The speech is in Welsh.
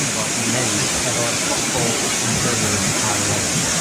ono fo i neud efo'r bobol wyt ti'n dilyn ar-lein.